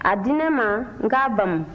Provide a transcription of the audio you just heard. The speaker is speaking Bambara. a di ne ma n k'a bamu